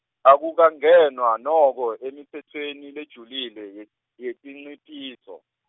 akukangenwa noko emitsetfweni lejulile yet- yetinciphiso.